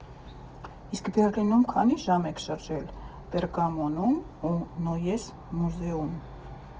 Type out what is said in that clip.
Իսկ Բեռլինում քանի՞ ժամ եք շրջել Պերգամոնում ու Նոյես Մուզեումում։